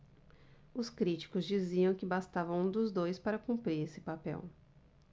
os críticos diziam que bastava um dos dois para cumprir esse papel